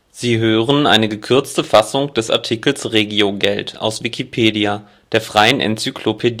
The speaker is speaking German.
Sie hören den Artikel Regionalwährung, aus Wikipedia, der freien Enzyklopädie